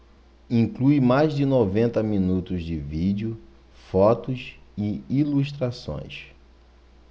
inclui mais de noventa minutos de vídeo fotos e ilustrações